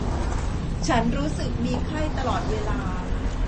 ฉันรู้สึกมีไข้ตลอดเวลา